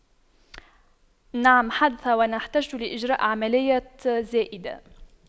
نعم حدث وأن احتجت لإجراء عملية زائدة